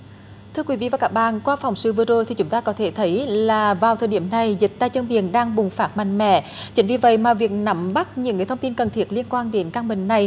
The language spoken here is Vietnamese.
thưa quý vị và các bạn qua phóng sự vừa rồi thì chúng ta có thể thấy là vào thời điểm này dịch tay chân miệng đang bùng phát mạnh mẽ chính vì vậy mà việc nắm bắt những cái thông tin cần thiết liên quan đến căn bệnh này